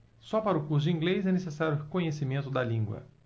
só para o curso de inglês é necessário conhecimento da língua